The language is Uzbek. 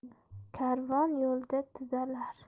karvon yo'lda tuzalar